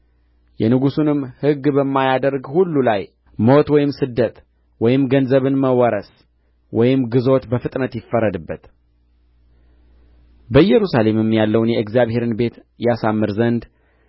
የንጉሡንም ሕግ በማያደርግ ሁሉ ላይ ሞት ወይም ስደት ወይም ገንዘብን መወረስ ወይም ግዞት በፍጥነት ይፈረድበት በኢየሩሳሌም ያለውን የእግዚአብሔርን ቤት ያሳምር ዘንድ